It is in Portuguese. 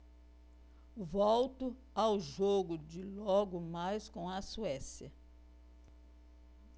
volto ao jogo de logo mais com a suécia